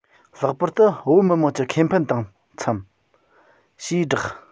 ལྷག པར དུ བོད མི དམངས ཀྱི ཁེ ཕན དང འཚམས ཞེས བསྒྲགས